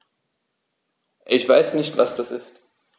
Ich weiß nicht, was das ist.